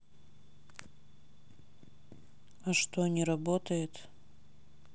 а что не работает